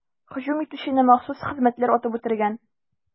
Һөҗүм итүчене махсус хезмәтләр атып үтергән.